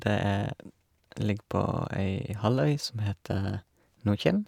Det er ligger på ei halvøy som heter Nordkinn.